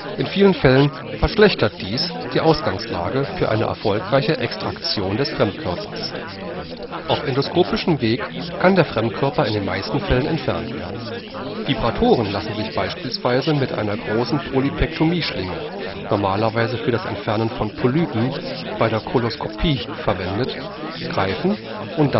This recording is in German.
In vielen Fällen verschlechtert dies die Ausgangslage für eine erfolgreiche Extraktion des Fremdkörpers. Auf endoskopischem Weg kann der Fremdkörper in den meisten Fällen entfernt werden. Vibratoren lassen sich beispielsweise meist mit einer großen Polypektomieschlinge (normalerweise für das Entfernen von Polypen bei der Koloskopie verwendet) greifen und